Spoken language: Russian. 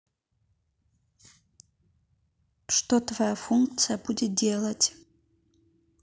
что твоя функция будет делать